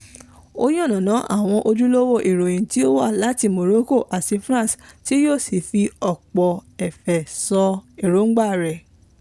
Ó yànnàná àwọn ojúlówó ìròyìn tí wọ́n wá láti Morocco àti France tí yóò sì fi ọ̀pọ̀ ẹ̀fẹ̀ sọ èròńgbà rẹ̀.